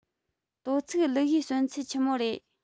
དོ ཚིག ལུ གུའི གསོན ཚད ཆི མོ རེད